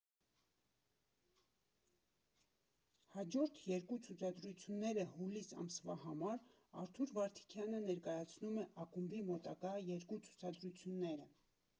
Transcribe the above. Հաջորդ երկու ցուցադրությունները հուլիս ամսվա համար Արթուր Վարդիկյանը ներկայացնում է ակումբի մոտակա երկու ցուցադրությունները.